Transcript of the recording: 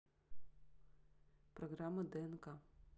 программа днк